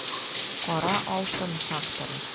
Кара алтын факторы